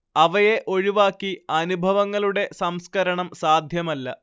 അവയെ ഒഴിവാക്കി അനുഭവങ്ങളുടെ സംസ്കരണം സാധ്യമല്ല